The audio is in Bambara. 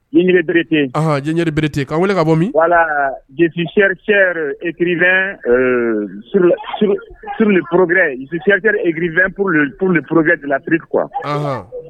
Giri bererete jere bereerete' wele ka bɔ min ala gtsɛri ekiriuru purekrip2p pur puru ni porouredtri kuwa